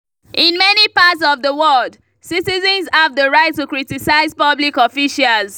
In many parts of the world, citizens have the right to criticise public officials.